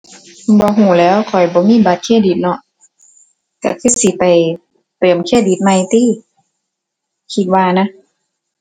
บ่รู้แหล้ว ข้อยบ่มีบัตรเครดิตเนาะ รู้คือสิไปเติมเครดิตใหม่ติ คิดว่านะ